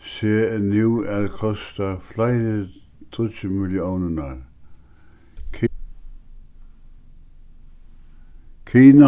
seg nú at kosta fleiri tíggju milliónirnar kina